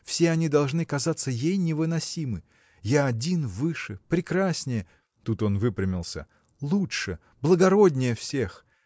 все они должны казаться ей невыносимы. Я один выше прекраснее – тут он выпрямился – лучше благороднее всех.